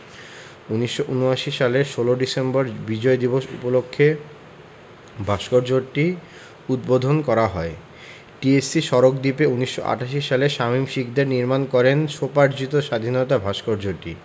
১৯৭৯ সালের ১৬ ডিসেম্বর বিজয় দিবস উপলক্ষে ভাস্কর্যটি উদ্বোধন করা হয় টিএসসি সড়ক দ্বীপে ১৯৮৮ সালে শামীম শিকদার নির্মাণ করেন স্বোপার্জিত স্বাধীনতা ভাস্কর্যটি